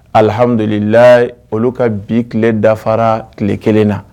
Alihamdullila olu ka bi tile dafara tile kelen na